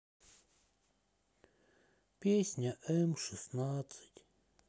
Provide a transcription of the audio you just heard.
песня м шестнадцать